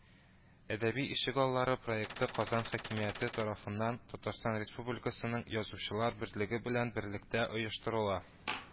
“әдәби ишегаллары” проекты казан хакимияте тарафыннан татарстан республикасының язучылар берлеге белән берлектә оештырыла